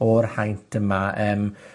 o'r haint yma yym,